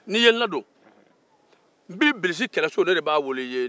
n'i ye n' ladon n'bɛ bilisi kɛlɛso ne de bɛ a wolo i ye